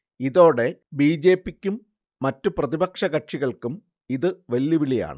ഇതോടെ B. J. P. ക്കും മറ്റ് പ്രതിപക്ഷ കക്ഷികൾക്കും ഇത് വെല്ലുവിളിയാണ്